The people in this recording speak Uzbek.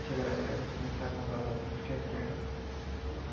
tufayli chegaradagi sanitar nazoratni kuchaytirgan